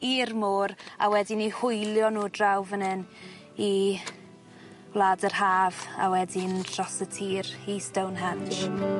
i'r môr a wedyn 'u hwylio nw draw fan 'yn i Gwlad yr Haf a wedyn dros y tir i Stonehenge.